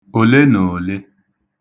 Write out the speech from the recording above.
òlenòòlē